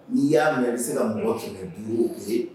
N'i y'a mɛn i bɛ se ka mɔgɔ kɛmɛ 5